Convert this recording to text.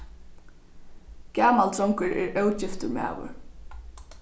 gamal drongur er ógiftur maður